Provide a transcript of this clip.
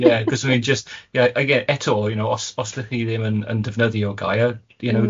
Ie cos o'n i'n jyst ie ie eto you know os os dych chi ddim yn yn defnyddio'r gair you know... Mm.